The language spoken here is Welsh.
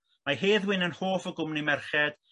Mae Hedd Wyn yn hoff o gwmni merched